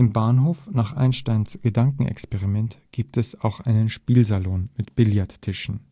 Bahnhof (vgl. Einsteins Gedankenexperiment) gibt es auch einen Spielsalon mit Billardtischen